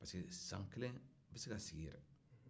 parce que san kelen bɛ se ka sigi yɛrɛ